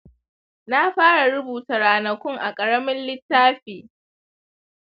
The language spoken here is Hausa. na fara rubuta ranakun a ƙaramin littafi.